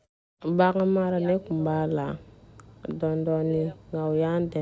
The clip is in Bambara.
bagan maralen tun bɛ a la u b'an dɔ ni nka u y'an dɛmɛ